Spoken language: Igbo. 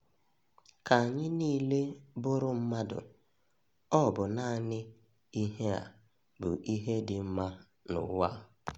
Ka anyị niile burụ mmadụ, ọ bụ naanị ihe a bụ ihe dị mma n'ụwa a.